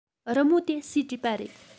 རི མོ དེ སུས བྲིས པ རེད